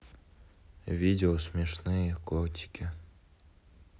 видео смешные котики